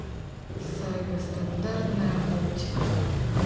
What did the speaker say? сайга стандартная оптика